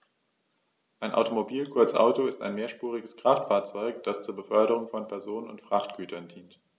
Ein Automobil, kurz Auto, ist ein mehrspuriges Kraftfahrzeug, das zur Beförderung von Personen und Frachtgütern dient.